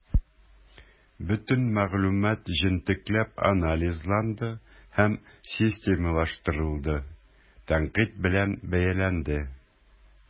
Бөтен мәгълүмат җентекләп анализланды һәм системалаштырылды, тәнкыйть белән бәяләнде.